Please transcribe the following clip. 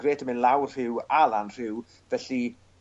grêt yn mynd lawr rhiw ai lan rhiw felly